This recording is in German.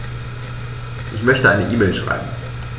Ich möchte eine E-Mail schreiben.